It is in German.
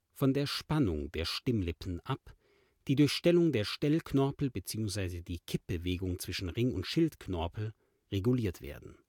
von der Spannung der Stimmlippen ab, die durch Stellung der Stellknorpel bzw. die Kippbewegung zwischen Ring - und Schildknorpel reguliert werden